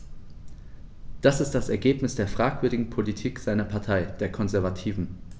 Das ist das Ergebnis der fragwürdigen Politik seiner Partei, der Konservativen.